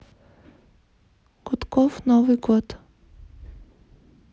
гудков новый год